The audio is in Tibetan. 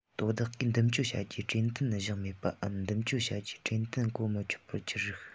དོ བདག གིས འདུམ གཅོད བྱ རྒྱུའི གྲོས མཐུན བཞག མེད པའམ འདུམ གཅོད བྱ རྒྱུའི གྲོས མཐུན གོ མི ཆོད པར གྱུར རིགས